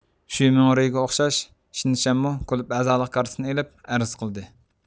شۈمىڭرۈيگە ئوخشاش شېن شەنمۇ كۇلۇب ئەزالىق كارتىسىنى ئېلىپ ئەرز قىلدى